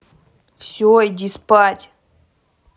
все иди спать